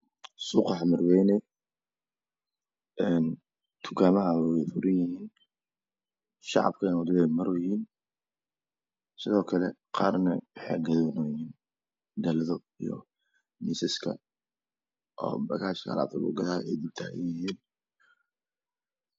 Suqa xamar weynee dukanaha wey furan yahiin shacabka neh wadada ayeey maroyin qaarnah wax eey gadanoyin dalado io misas oo bagashka lagu gadayo eey dul tagan yahiin